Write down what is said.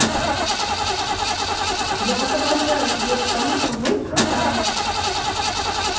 я вас обожаю сбер потому что вы крутая